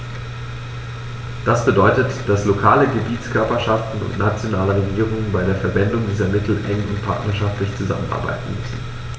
Das bedeutet, dass lokale Gebietskörperschaften und nationale Regierungen bei der Verwendung dieser Mittel eng und partnerschaftlich zusammenarbeiten müssen.